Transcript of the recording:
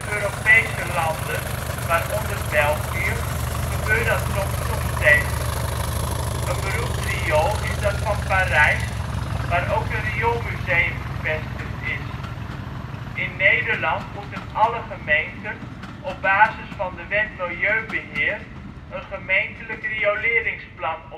Europese landen, waaronder België, gebeurt dat soms nog steeds. Een beroemd riool is dat van Parijs, waar ook een rioolmuseum gevestigd is. In Nederland moeten alle gemeenten op basis van de Wet milieubeheer een gemeentelijk rioleringsplan opstellen